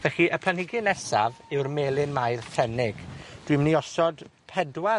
Felly, y planhigyn nesaf yw'r Melyn Mair Ffrenig. Dwi myn' i osod pedwar